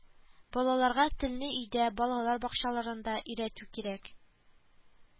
Балаларга телне өйдә, балалар бакчаларында өйрәтү кирәк